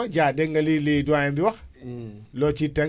loo ciy tënk loo loo loo ciy yokk lan ngay tàggoo